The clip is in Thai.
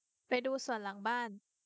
ไปดูสวนหลังบ้าน